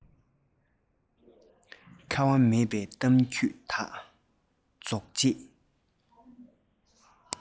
ཁ བ མེད པའི གཏམ རྒྱུད དག རྗོགས རྗེས